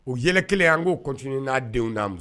O yɛlɛ kelen in an k’a o continuer n'a denw n’a muso